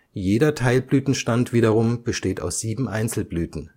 Jeder Teilblütenstand wiederum besteht aus sieben Einzelblüten